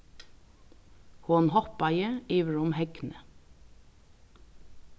hon hoppaði yvir um hegnið